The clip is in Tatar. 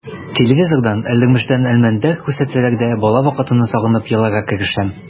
Телевизордан «Әлдермештән Әлмәндәр» күрсәтсәләр дә бала вакытымны сагынып еларга керешәм.